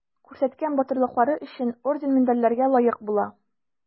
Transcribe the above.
Күрсәткән батырлыклары өчен орден-медальләргә лаек була.